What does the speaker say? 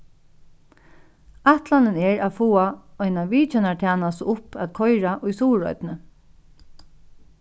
ætlanin er at fáa eina vitjanartænastu upp at koyra í suðuroynni